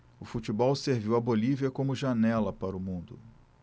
o futebol serviu à bolívia como janela para o mundo